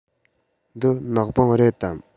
འདི ནག པང རེད དམ